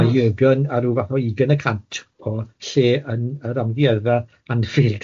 A Jürgen a ryw fath o ugain y cant o lle yn yr amgueddfa Anfied.